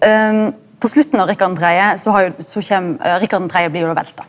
på slutten av Rikard den tredje så har jo så kjem Rikard den tredje blir jo då velta.